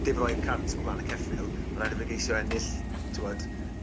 dim roi'r cart o flan y ceffyl ma' raid i fe geisio ennill t'wod